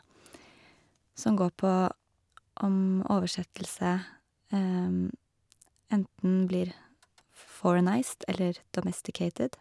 Som går på om oversettelse enten blir f foreignized eller domesticated.